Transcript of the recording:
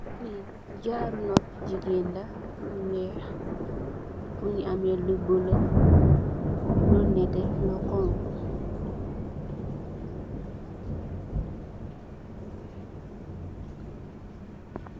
Jarut nopu gigeen la yu wekh mungi ameh lu bula, lu neteh, lu xoxu.